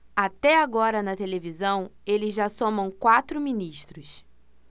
até agora na televisão eles já somam quatro ministros